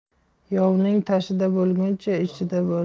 yovning tashida bo'iguncha ichida bo'l